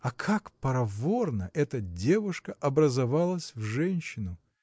а как проворно эта девушка образовалась в женщину!